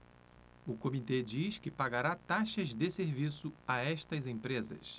o comitê diz que pagará taxas de serviço a estas empresas